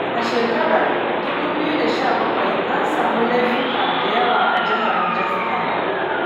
A shekarar 2017 an samu laifuka da yawa a jihar Rajasthan.